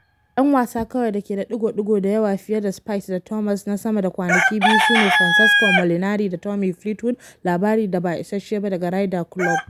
‘Yan wasan kawai da ke da ɗigo-ɗigo da yawa fiye da Spieth da Thomas a sama da kwanaki biyu su ne Francesco Molinari da Tommy Fleetwood, labari da ba isasshe ba na Ryder Kulob.